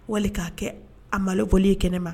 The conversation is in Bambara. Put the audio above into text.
Wali k'a kɛ a mabɔlen ye kɛnɛ ma